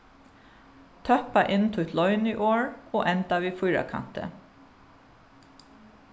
tøppa inn títt loyniorð og enda við fýrakanti